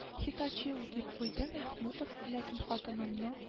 —хитачи ул,—дип куйды мәхмүтов, ләкин хатынының